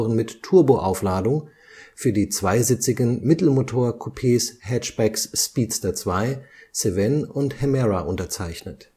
mit Turboaufladung für die zweisitzigen Mittelmotor-Coupes/Hatcbacks Speedster II, Cevennes und Hemera unterzeichnet